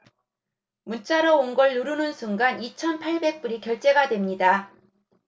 문자로 온 걸 누르는 순간 이천 팔백 불이 결제가 됩니다